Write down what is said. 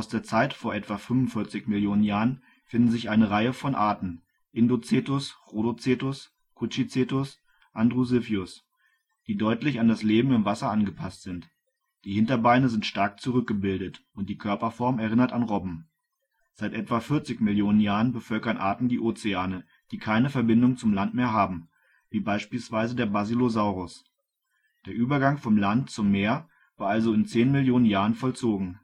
der Zeit vor etwa 45 Millionen Jahren finden sich eine Reihe von Arten (Indocetus, Rodhocetus, Kutchicetus, Andrewsiphius), die deutlich an das Leben im Wasser angepasst sind. Die Hinterbeine sind stark zurückgebildet, und die Körperform erinnert an Robben. Seit etwa 40 Millionen Jahren bevölkern Arten die Ozeane, die keine Verbindung zum Land mehr haben, wie beispielsweise der Basilosaurus. Der Übergang vom Land zum Meer war also in 10 Millionen Jahren vollzogen